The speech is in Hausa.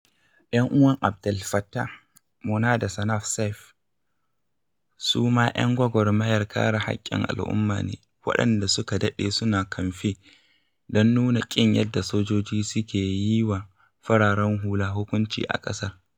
Yan'uwan Abd El Fattah, Mona da Sanaa Seif, su ma 'yan gwagwarmayar kare haƙƙin al'umma ne waɗanda suka daɗe suna kamfe don nuna ƙin yadda sojoji suke yi wa fararen hula hukunci a ƙasar.